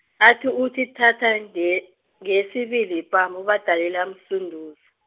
athi uthi thatha, ngey- ngeyesibili ipama uBadanile amsunduze.